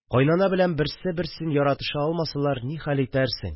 Кайнана белән берсе-берсен яратыша алмасалар, нихәл итәрсең